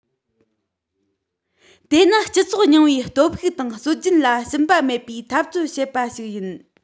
དེ ནི སྤྱི ཚོགས རྙིང པའི སྟོབས ཤུགས དང སྲོལ རྒྱུན ལ ཞུམ པ མེད པའི འཐབ རྩོད བྱེད པ ཞིག ཡིན